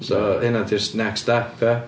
So hynna 'di'r next step ia.